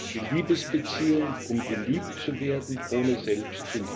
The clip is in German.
die Liebesbeziehung, um geliebt zu werden, ohne selbst zu